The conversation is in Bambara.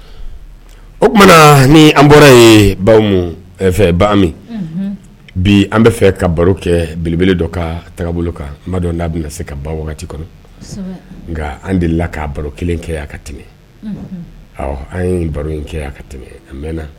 O tumana ni an bɔra baw bi an bɛ fɛ ka baro kɛ belebele ka taabolo kan se ka kɔnɔ nka an ka baro kelen kɛ a ka tɛmɛ ɔ an baro kɛ a ka tɛmɛ an